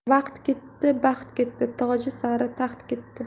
vaqt ketdi baxt ketdi toji sari taxt ketdi